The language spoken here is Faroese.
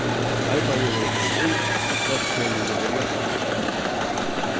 arbeiðið verður boðið út so hvørt peningur verður játtaður